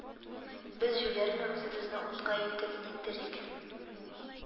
Без җүләрме, үзебезне утка илтеп ник терик